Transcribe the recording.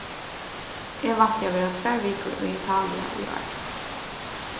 eg vænti at vera tvær vikur í italia í ár